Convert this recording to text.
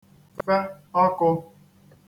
fe ọkụ̄